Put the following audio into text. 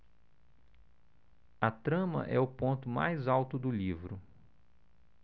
a trama é o ponto mais alto do livro